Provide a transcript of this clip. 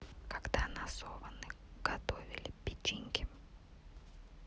когда насованы готовили печеньки